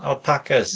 Alpacas?